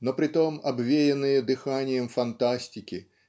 но притом обвеянные дыханием фантастики